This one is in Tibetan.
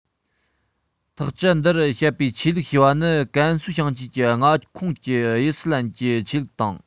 ཐག བཅད འདིར བཤད པའི ཆོས ལུགས ཞེས པ ནི ཀན སུའུ ཞིང ཆེན གྱི མངའ ཁོངས ཀྱི དབྱི སི ལན གྱི ཆོས ལུགས དང